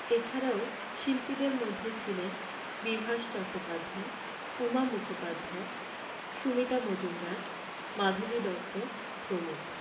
এছাড়াও শিল্পীদের মধ্যে ছিলেন বিভাস চট্টোপাধ্যায় উমা মুখোপাধ্যায় সুমিতা মজুমদার মাধবী দত্ত প্রমুখ